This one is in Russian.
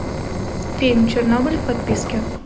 фильм чернобыль в подписке